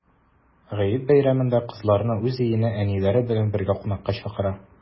Гает бәйрәмендә кызларны уз өенә әниләре белән бергә кунакка чакыра.